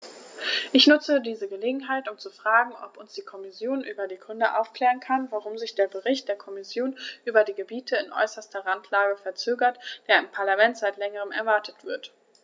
Ich nutze diese Gelegenheit, um zu fragen, ob uns die Kommission über die Gründe aufklären kann, warum sich der Bericht der Kommission über die Gebiete in äußerster Randlage verzögert, der im Parlament seit längerem erwartet wird.